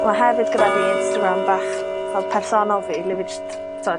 Ma' hefyd gyda fi Instagram bach fel personol fi le fi jst, t'od